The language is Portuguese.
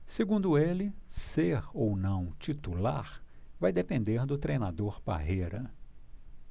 segundo ele ser ou não titular vai depender do treinador parreira